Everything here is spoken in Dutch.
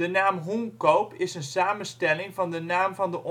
naam Hoenkoop is een samenstelling van de naam van de